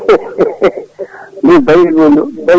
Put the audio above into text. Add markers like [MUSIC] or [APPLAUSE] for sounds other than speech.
[LAUGHS] min Baydy woni ɗo Bay